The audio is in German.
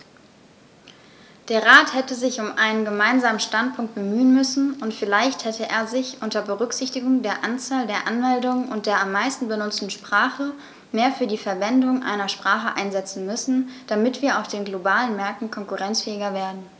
Der Rat hätte sich um einen gemeinsamen Standpunkt bemühen müssen, und vielleicht hätte er sich, unter Berücksichtigung der Anzahl der Anmeldungen und der am meisten benutzten Sprache, mehr für die Verwendung einer Sprache einsetzen müssen, damit wir auf den globalen Märkten konkurrenzfähiger werden.